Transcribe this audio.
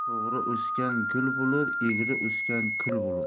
to'g'ri o'sgan gul bo'lar egri o'sgan kul bo'lar